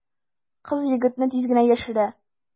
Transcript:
Кыз егетне тиз генә яшерә.